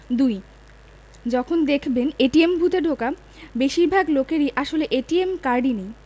২. যখন দেখবেন এটিএম বুথে ঢোকা বেশির ভাগ লোকের আসলে এটিএম কার্ডই নেই